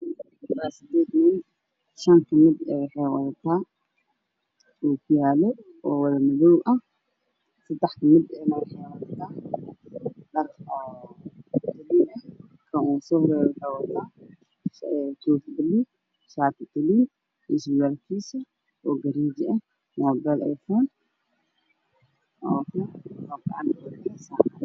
Waa sideedii waxay wadataa oo wada madaw ah sadextimir dharmadaw ah